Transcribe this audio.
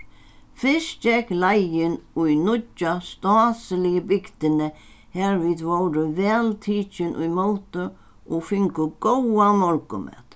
fyrst gekk leiðin í nýggja stásiligu bygdini har vit vórðu væl tikin ímóti og fingu góðan morgunmat